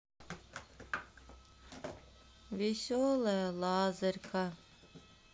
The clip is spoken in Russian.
веселая лазарька